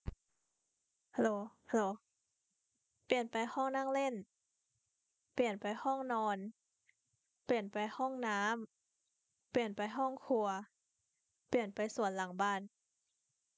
เปลี่ยนไปห้องครัว